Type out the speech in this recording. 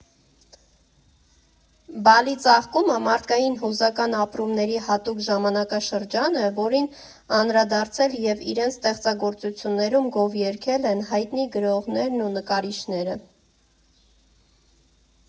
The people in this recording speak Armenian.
Բալի ծաղկումը մարդկային հուզական ապրումների հատուկ ժամանակաշրջան է, որին անդրադարձել և իրենց ստեղծագործություններում գովերգել են հայտնի գրողներն ու նկարիչները։